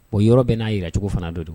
Bon yɔrɔ bɛɛ n'a jira cogocogo fana don don